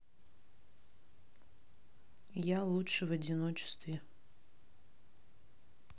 я лучше в одиночестве